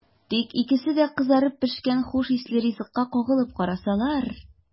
Тик икесе дә кызарып пешкән хуш исле ризыкка кагылып карасалар!